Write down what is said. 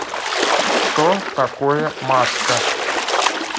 что такое маска